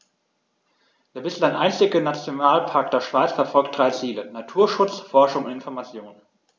Der bislang einzige Nationalpark der Schweiz verfolgt drei Ziele: Naturschutz, Forschung und Information.